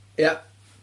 Ia.